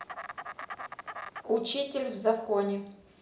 учитель в законе